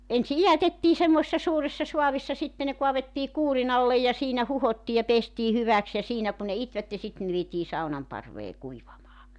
ensin idätettiin semmoisessa suuressa saavissa sitten ne kaadettiin kuurinalle ja siinä huuhdottiin ja pestiin hyväksi ja siinä kun ne itivät sitten ne vietiin saunanparveen kuivamaan